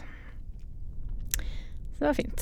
Så det var fint.